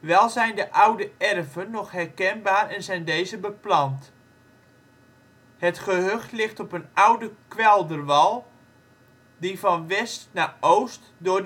Wel zijn de oude erven nog herkenbaar en zijn deze beplant. Het gehucht ligt op een oude kwelderwal die van west naar oost door